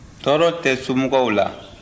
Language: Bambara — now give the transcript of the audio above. tɔɔrɔ tɛ somɔgɔw la